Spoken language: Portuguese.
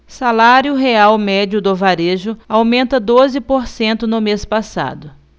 salário real médio do varejo aumenta doze por cento no mês passado